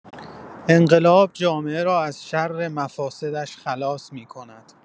انقلاب جامعه را از شر مفاسدش خلاص می‌کند.